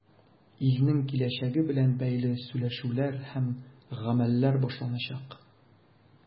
Илнең киләчәге белән бәйле сөйләшүләр һәм гамәлләр башланачак.